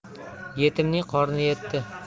yetimning qorni yetti